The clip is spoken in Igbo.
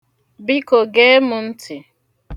Biko gee m ntị!